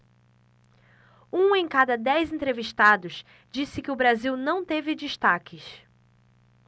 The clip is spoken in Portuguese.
um em cada dez entrevistados disse que o brasil não teve destaques